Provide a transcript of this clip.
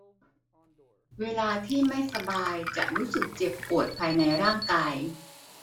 เวลาที่ไม่สบายจะรู้สึกเจ็บปวดภายในร่างกาย